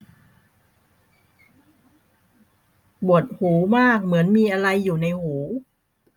ปวดหูมากเหมือนมีอะไรอยู่ในหู